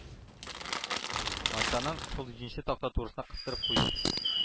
Матчаның шул җиденче такта турысына кыстырып куйды.